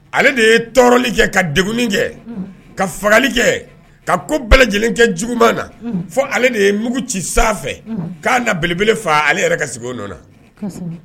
Ale de ye tɔɔrɔli kɛ, ka deguni kɛ, ka fagali kɛ, ka ko bɛɛ lajɛlen kɛ juguman na fɔ ale de ye mugu ci san na k'a na belebele fa ale yɛrɛ ka sigin o nɔla. kosɛbɛ